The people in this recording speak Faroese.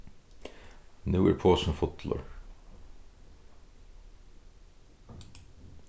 nú er posin fullur